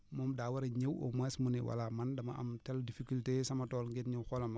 moom daa war a ñëw au moins mu ne voilà man dama am tel difficulté sama tool ngeen ñëw xoolal ma ko